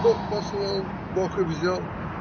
Бог послал, бог и взял.